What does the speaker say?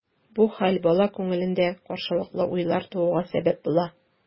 Бу хәл бала күңелендә каршылыклы уйлар тууга сәбәп була.